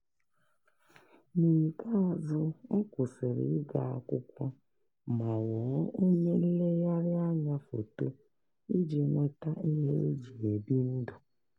N'ikpeazụ, ọ kwụsịrị ịga akwụkwọ ma ghọọ onye nlereanya foto iji nweta ihe e ji ebi ndụ.